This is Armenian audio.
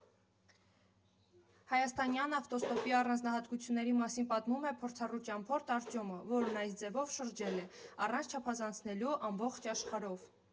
Հայաստանյան ավտոստոպի առանձնահատկությունների մասին պատմում է փորձառու ճամփորդ Արտյոմը, որն այս ձևով շրջել է, առանց չափազանցնելու, ամբողջ աշխարհով։